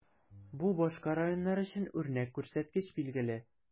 Бу башка районнар өчен үрнәк күрсәткеч, билгеле.